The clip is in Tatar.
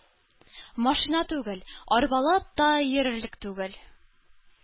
Машина түгел, арбалы ат та йөрерлек түгел.